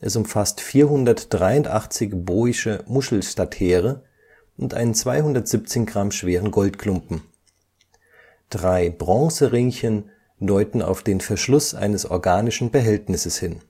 Es umfasst 483 boische Muschelstatere und einen 217 g schweren Goldklumpen. Drei Bronzeringchen deuten auf den Verschluss eines organischen Behältnisses hin